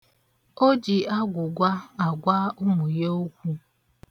O ji agwụ̀gwa agwa ụmụ ya okwu.